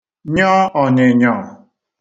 nyọ ọ̀nyị̀nyọ̀